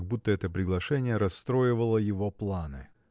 как будто это приглашение расстроивало его планы.